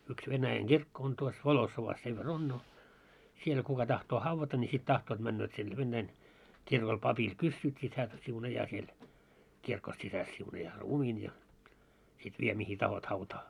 yksi Venäjän kirkko on tuossa Volossovassa sen verran on no siellä kuka tahtoo haudata niin sitten tahtovat menevät sinne venäjän kirkolle papilta kysyvät sitten hän siunaa siellä kirkon sisässä siunaa ruumiin ja sitten vie mihin tahdot hautaan